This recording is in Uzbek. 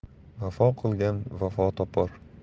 vafo qilgan vafo topar